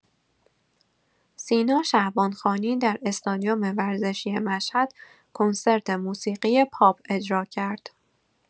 سینا شعبانخانی در استادیوم ورزشی مشهد کنسرت موسیقی پاپ اجرا کرد.